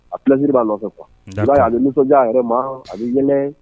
A kisiri b'a nɔfɛ a ni nisɔndiya yɛrɛ ma a bɛ